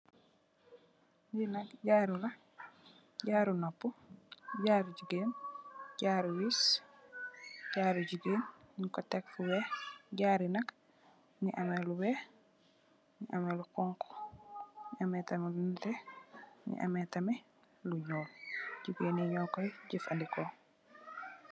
Lee nak jaaru la jaaru nopu jaaru jegain jaaru wees jaaru jegain nugku tek fu weex jaaru ye nak muge ameh lu weex muge ameh lu xonxo muge ameh tamin lu neteh muge ameh tamin lu nuul jegain ye nukoy jefaneku.